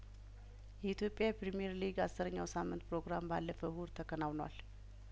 የኢትዮጵያ ፕሪምየር ሊግ አስረኛው ሳምንት ፕሮግራም ባለፈው እሁድ ተከናውኗል